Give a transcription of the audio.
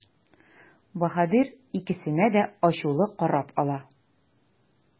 Баһадир икесенә дә ачулы карап ала.